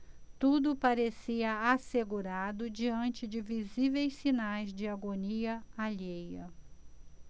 tudo parecia assegurado diante de visíveis sinais de agonia alheia